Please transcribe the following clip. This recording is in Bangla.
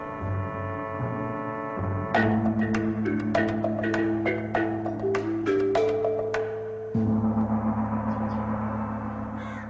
মিউজিক